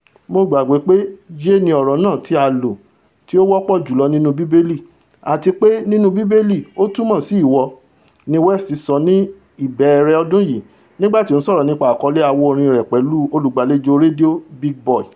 Mo gbàgbọ́ pe 'ye' ni ọ̀rọ̀ náà tí́ a lò tí o ́wọ́pò jùlọ nínú Bíbélì, àtipé nínú Bíbélì ó túmọ̀ sí 'ìwọ,''' ni West sọ ní ìbẹ̀rẹ̀ ọdún yìí, nígbàtí ó ńsọ̀rọ̀ nípa àkọlé àwo orin rè pẹ̀lú olùgbàlejò rédíò Big Boy.